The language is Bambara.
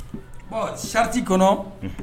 Ɔ charte kɔnɔ